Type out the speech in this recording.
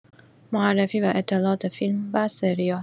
معرفی و اطلاعات فیلم و سریال